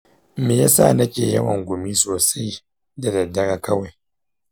me yasa nake yawan gumi sosai da daddare kawai?